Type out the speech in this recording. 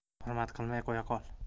hurmat qilmay qo'ya qol